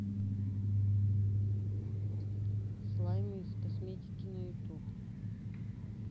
слаймы из косметики на ютуб